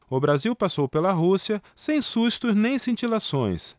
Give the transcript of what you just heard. o brasil passou pela rússia sem sustos nem cintilações